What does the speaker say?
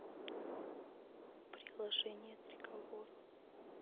приложение триколор